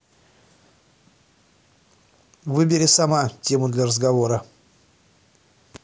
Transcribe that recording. выбери сама тему для разговора